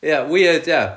Ie weird ia